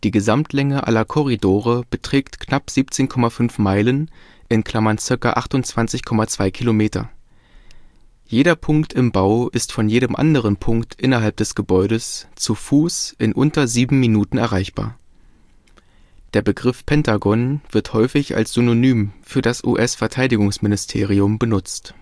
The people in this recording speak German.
Gesamtlänge aller Korridore beträgt knapp 17,5 Meilen (ca. 28,2 km). Jeder Punkt im Bau ist von jedem anderen Punkt innerhalb des Gebäudes zu Fuß in unter sieben Minuten erreichbar. Der Begriff „ Pentagon “wird häufig als Synonym für das US-Verteidigungsministerium benutzt